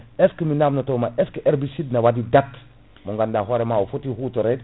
est ce que mi namdoto ma est ce que herbicide ne waɗi date mo ganduɗa hoorema o foti hutorede